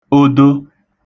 odo